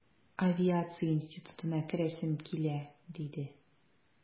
Авиация институтына керәсем килә, диде...